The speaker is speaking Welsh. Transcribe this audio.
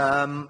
Yym.